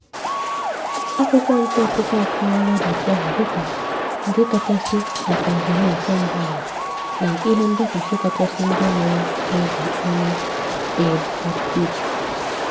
Akwụkwọ ntaakụkọ akọwalaa ọdachị ahụ dịka "nke kachasị na Tanzania kemgbe ụwa" na "ihe ndakwasị kachasị njọ mere n'oge emume Eid al-Fitr."